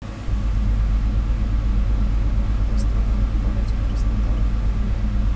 катастрофа в городе краснодар